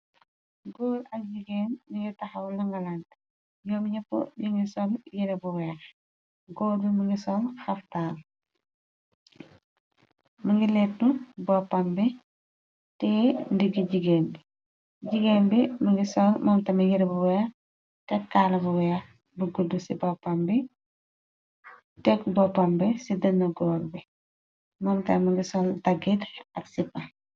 Góol ak jigéen mingu taxaw longalante ñoom ñepp yi ngi som yere bu weex góol bi mu ngi som xaftaal mi ngi lettu boppam bi tee ndiggi jigéen bi jigéen bi mi ngi son mamtami yerebu weex tek kaalabu weex bu gudd ci boppam b tekk boppam bi ci dëna goor bi momta mi ngi som daggit ak sipa.